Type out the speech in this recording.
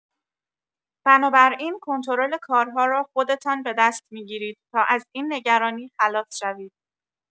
بنابر این کنترل کارها را خودتان به دست می‌گیرید تا از این نگرانی خلاص شوید.